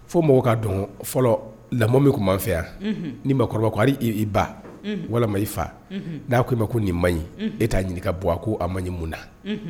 Fo mɔgɔw ka dɔn fɔlɔ lamɔ min tun man fɛ yan nii ma i ba walima i fa n'a ko i ma ko nin ma ɲi e t'a ɲininka ka bɔ a ko a ma ɲi mun na